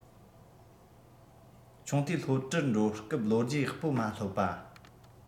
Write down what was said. ཆུང དུས སློབ གྲྭར འགྲོ སྐབས ལོ རྒྱུས ཡག པོ མ སློབ པ